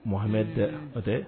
Mahame dɛ dɛ